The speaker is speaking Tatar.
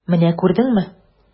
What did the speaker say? Менә күрдеңме!